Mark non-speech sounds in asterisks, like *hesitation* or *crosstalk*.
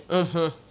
*hesitation* *hesitation*